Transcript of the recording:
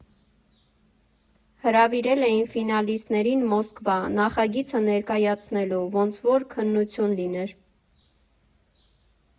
Հրավիրել էին ֆինալիստներին Մոսկվա՝ նախագիծը ներկայացնելու, ոնց որ քննություն լիներ։